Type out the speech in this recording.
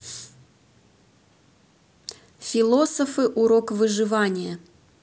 философы урок выживания